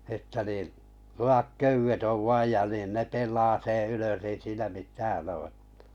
että niin lujat köydet on vain ja niin ne pelaa sen ylös ei siinä mitään ole että